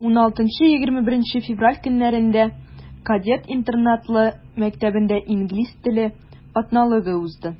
16-21 февраль көннәрендә кадет интернатлы мәктәбендә инглиз теле атналыгы узды.